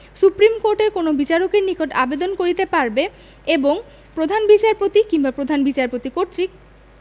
supreme কোর্টের কোন বিচারকের নিকট আবেদন করিতে পারবে এবং প্রধান বিচারপতি কিংবা প্রধান বিচারপতি কর্তৃক